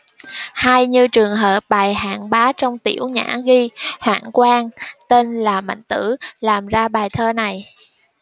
hay như trường hợp bài hạng bá trong tiểu nhã ghi hoạn quan tên là mạnh tử làm ra bài thơ này